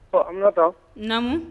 Ɔ an ma taa naamu